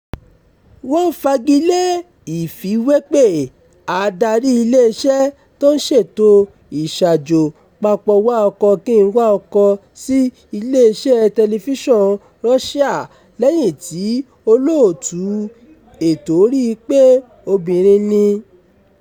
Wọ́n fagi lé ìfìwépè Adarí iléeṣẹ́ tó ń ṣètò Ìṣàjò-papọ̀-wa-ọkọ̀-kí-n-wa-ọkọ̀ sí iléeṣẹ́ tẹlifíṣàn Russia lẹ́yìn tí olóòtú ètò rí i pé obìnrin ni